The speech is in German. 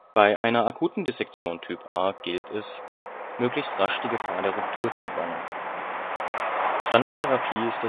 Bei einer akuten Dissektion Typ A gilt es, möglichst rasch die Gefahr der Ruptur zu bannen. Standardtherapie ist